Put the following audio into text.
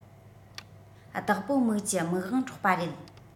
བདག པོ མིག གྱི མིག དབང འཕྲོག པ རེད